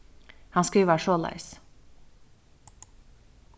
hann skrivar soleiðis